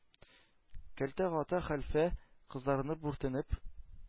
Кәлтә Гата хәлфә, кызарынып-бүртенеп: